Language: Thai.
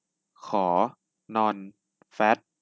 ขอนอนแฟต